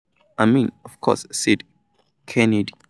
"I mean, of course," said Kennedy.